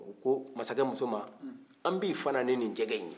u ko masakɛ muso ma an b'i fana ni nin jɛgɛ in ye